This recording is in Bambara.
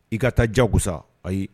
I ka taa jagosa, ayi